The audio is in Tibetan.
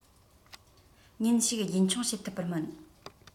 ཉིན ཞིག རྒྱུན འཁྱོངས བྱེད ཐུབ པར སྨོན